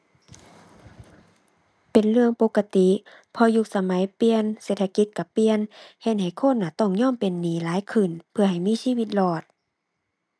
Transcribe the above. เป็นเรื่องปกติ เพราะยุคสมัยเปลี่ยน เศรษฐกิจก็เปลี่ยน เฮ็ดให้คนน่ะต้องยอมเป็นหนี้หลายขึ้นเพื่อให้มีชีวิตรอด